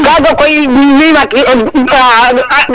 kaga koymi mat